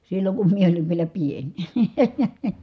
silloin kun minä olin vielä pieni